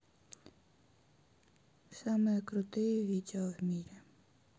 самые крутые видео в мире